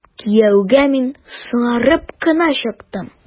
Кияүгә мин соңарып кына чыктым.